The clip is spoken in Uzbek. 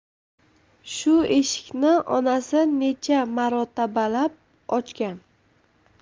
shu eshikni onasi necha marotabalab ochgan